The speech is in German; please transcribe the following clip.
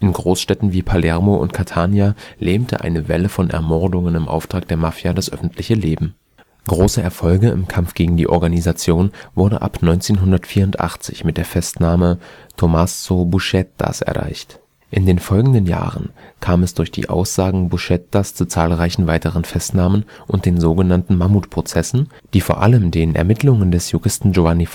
Großstädten wie Palermo und Catania lähmte eine Welle von Ermordungen im Auftrag der Mafia das öffentliche Leben. Große Erfolge im Kampf gegen die Organisation wurden ab 1984 mit der Festnahme Tommaso Buscettas erreicht. In den folgenden Jahren kam es durch die Aussagen Buscettas zu zahlreichen weiteren Festnahmen und den sogenannten Mammutprozessen, die vor allem den Ermittlungen des Juristen Giovanni